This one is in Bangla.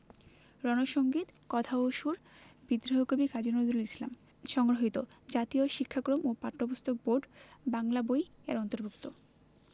রন সঙ্গীত কথা ও সুর বিদ্রোহী কবি কাজী নজরুল ইসলাম সংগৃহীত জাতীয় শিক্ষাক্রম ও পাঠ্যপুস্তক বোর্ড বাংলা বই এর অন্তর্ভুক্ত